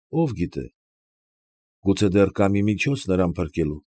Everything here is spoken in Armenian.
Ո՞վ գիտե, գուցե դեռ կա միջոց նրան փրկելու։